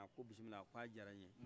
a ko bisimila ko a jara ne ye